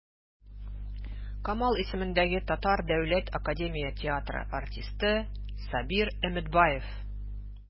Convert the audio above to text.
Камал исемендәге Татар дәүләт академия театры артисты Сабир Өметбаев.